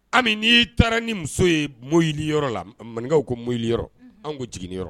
Ami n'i'i taara ni muso ye moyili yɔrɔ la, maninkaw ka moyilliyɔrɔ ,anw ko jiginnyɔrɔ.